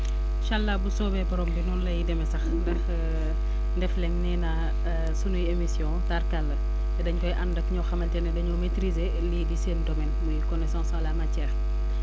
incha allah bu soobee borom bi noonu lay demee sax ndax Ndefleng nee naa sunuy émissions tarkalla te dañ koy ànd ak ñoo xamante ne dañoo maitriser lii di seen domaine muy connaissance en la matière